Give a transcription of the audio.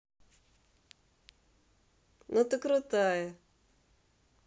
ну ты крутая